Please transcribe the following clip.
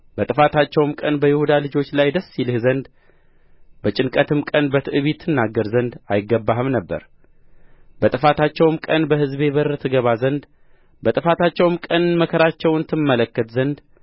በጥፋታቸውም ቀን በይሁዳ ልጆች ላይ ደስ ይልህ ዘንድ በጭንቀትም ቀን በትዕቢት ትናገር ዘንድ አይገባህም ነበር በጥፋታቸውም ቀን በሕዝቤ በር ትገባ ዘንድ በጥፋታቸውም ቀን መከራቸውን ትመለከት ዘንድ